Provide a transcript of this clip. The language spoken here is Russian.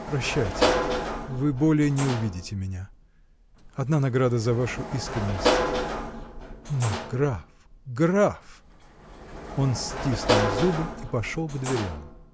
Прощайте; вы более не увидите меня: одна награда за вашу искренность. но граф, граф! Он стиснул зубы и пошел к дверям.